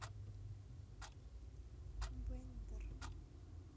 бендер